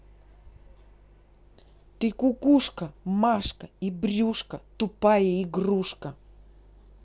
ты кукушка машка и брюшка тупая игрушка